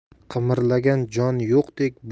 qimirlagan jon yo'qdek